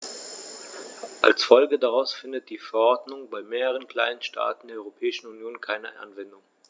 Als Folge daraus findet die Verordnung bei mehreren kleinen Staaten der Europäischen Union keine Anwendung.